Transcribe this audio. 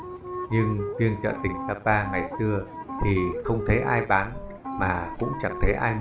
nhưng riêng ở chợ tình sapa ngày xưa thì không thấy ai bán mà cũng chẳng thấy ai mua